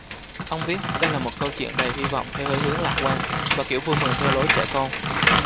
ông viết đây là một câu chuyện đầy hi vọng theo hơi hướng lạc quan và kiểu vui mừng theo lối trẻ con